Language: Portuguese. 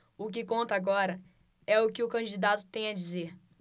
o que conta agora é o que o candidato tem a dizer